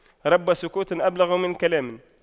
رب سكوت أبلغ من كلام